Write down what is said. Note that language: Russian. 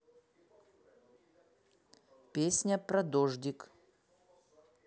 песня про дождик